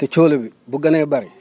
te cóolóol bi bu gënee bëri